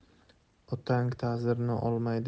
otang ta'zirini olmay